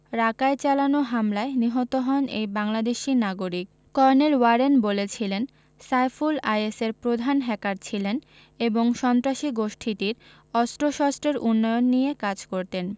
রাকায় চালানো হামলায় নিহত হন এই বাংলাদেশি নাগরিক কর্নেল ওয়ারেন বলেছিলেন সাইফুল আইএসের প্রধান হ্যাকার ছিলেন এবং সন্ত্রাসী গোষ্ঠীটির অস্ত্রশস্ত্রের উন্নয়ন নিয়ে কাজ করতেন